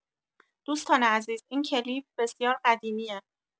دوستان عزیز این کلیپ بسیار قدیمیه